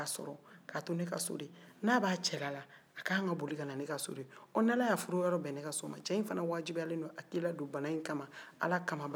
ɔn ni ala ye a furu yɔrɔ bɛn ne ka so man cɛ fana wajibiyalen do a ka i ladon ala kama balimaya kama